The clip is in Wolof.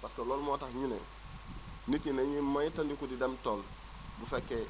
parce loolu moo tax ñu ne nit ñi nañuy moytandiku di dem tool bu fekkee